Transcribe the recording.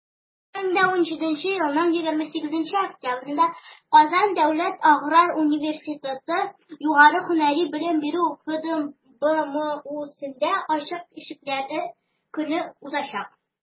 2017 елның 28 октябрендә «казан дәүләт аграр университеты» югары һөнәри белем бирү фдбмусендә ачык ишекләр көне узачак.